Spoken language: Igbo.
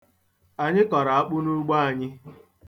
Anyị kọrọ akpụ n'ugbo anyị